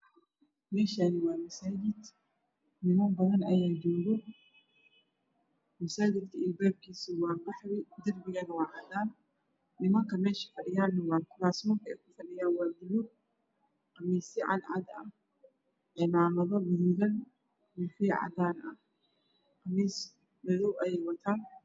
Meshaani waa masaajid niman badan ayaa joogo masajidka apapkiisa waa qaxi darpigana waa cadaan nimaka meesha fadhiyana kurasta ey ku fadhiyaan wa baluug qamiisyo cad cad ah cimaamado guduudan iyo koofi cadaan ah qamiis madow ayey wataan